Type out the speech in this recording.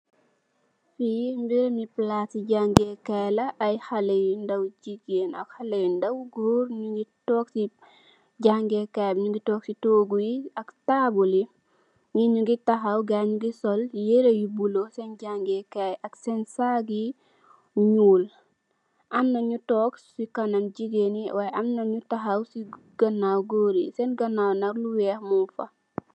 Fi barabi palasi jangèè kai ay xalèh yu ndaw jigeen ak xalèh yu ndaw gór ñu ngi tóóg ci jangèè kay bi ñu ngi tóóg ci tóógu ak tabull yi ñu ngi taxaw ngayi ñu ngi sol yirèh yu bula sèèn jangèè kai ak sèèn sak yu ñuul am na ñu tóóg ci kanam jigeen yi way am na ñu taxaw ci ganaw gór yi sèèn ganaw nak lu wèèx mung fa.